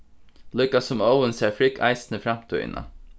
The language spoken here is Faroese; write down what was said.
líka sum óðin sær frigg eisini framtíðina